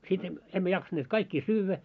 sitten - emme jaksaneet kaikkia syödä